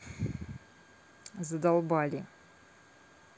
задолбали